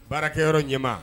Baarakɛ yɔrɔ ɲɛmaa.